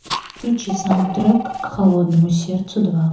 включи саундтрек к холодному сердцу два